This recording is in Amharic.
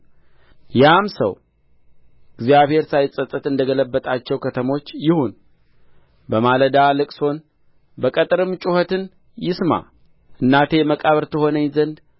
ያም ሰው እግዚአብሔር ሳይጸጸት እንደ ገለበጣቸው ከተሞች ይሁን በማለዳም ልቅሶን በቀትርም ጩኸትን ይስማ እናቴ መቃብር ትሆነኝ ዘንድ